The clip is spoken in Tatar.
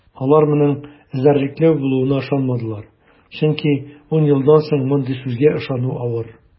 Алар моның эзәрлекләү булуына ышанмадылар, чөнки ун елдан соң мондый сүзгә ышану авыр.